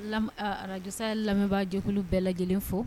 Arajsa ye lamɛnbaajɛkulu bɛɛ lajɛlen fo